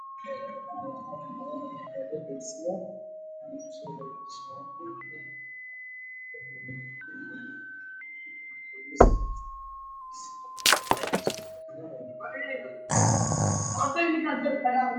Waa shaati midabkiisii yahay caddaan buluug ah